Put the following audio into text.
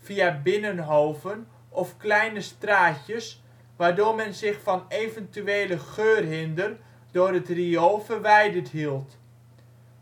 via binnenhoven of kleine straatjes, waardoor men zich van eventuele geurhinder door het riool verwijderd hield.